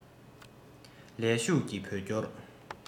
ལས ཞུགས ཀྱི བོད སྐྱོར